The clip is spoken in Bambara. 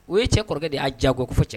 O ye cɛ kɔrɔkɛ de y'a diyago fɔ cɛ